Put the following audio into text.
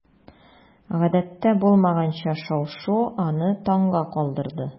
Гадәттә булмаганча шау-шу аны таңга калдырды.